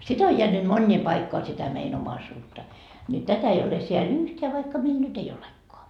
sitä on jäänyt moniin paikkoihin sitä meidän omaisuutta niin tätä ei ole siellä yhtään vaikka meillä nyt ei olekaan